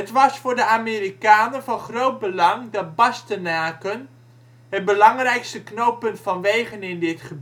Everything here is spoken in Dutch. was voor de Amerikanen van groot belang dat Bastenaken, het belangrijkste knooppunt van wegen in dit